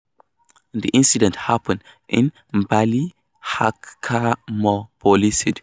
The incident happened in Ballyhackamore, police said.